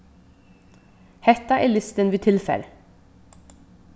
hetta er listin við tilfari